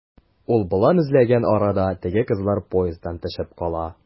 Ул болан эзләгән арада, теге кызлар поезддан төшеп кала.